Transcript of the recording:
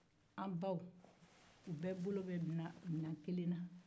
an baw bɛɛ bolo bɛ minɛn kelen na